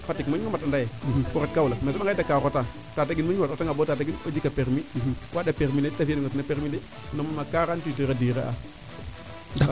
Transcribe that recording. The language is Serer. Fatick moƴ ngo mat anda yee o ret Kaolack mais a soɓanga ye Dackar o retaa Tataguine moƴ ngo mat o reta nga boo Tataguine o jika permis o waanda permis le te fiya nongo ten na permis le 48 heures a durer aa